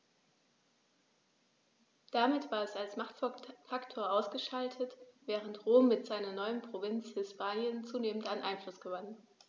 Damit war es als Machtfaktor ausgeschaltet, während Rom mit seiner neuen Provinz Hispanien zunehmend an Einfluss gewann.